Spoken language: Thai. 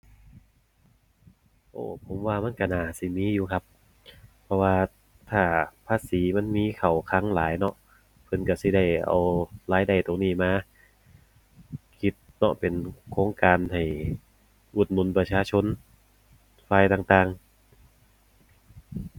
โอ้ ผมว่ามันก็น่าสิมีอยู่ครับ เพราะว่าถ้าภาษีมันมีเข้าคลังหลายเนาะ เพิ่นก็สิได้เอารายได้ตรงนี้มาคิดเนาะ เป็นโครงการให้อุดหนุนประชาชนฝ่ายต่างต่าง